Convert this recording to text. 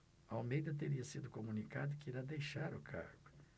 almeida teria sido comunicado que irá deixar o cargo